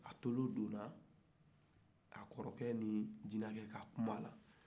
a tolo donna a kɔrɔcɛ ni jinacɛ ka kuma la